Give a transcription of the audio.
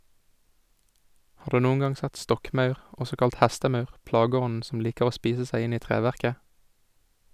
Har du noen gang sett stokkmaur, også kalt hestemaur, plageånden som liker å spise seg inn i treverket?